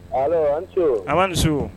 An ma misi